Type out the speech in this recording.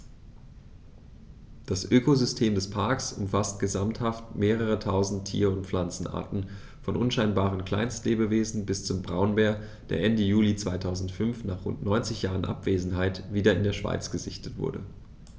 Das Ökosystem des Parks umfasst gesamthaft mehrere tausend Tier- und Pflanzenarten, von unscheinbaren Kleinstlebewesen bis zum Braunbär, der Ende Juli 2005, nach rund 90 Jahren Abwesenheit, wieder in der Schweiz gesichtet wurde.